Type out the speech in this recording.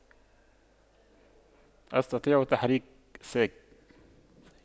أستطيع تحريك ساك